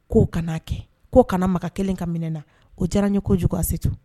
K'o kan'a kɛ, k'o kana maka Tɛnin ka minɛ na. O diyara n ye ko kojugu Asetu.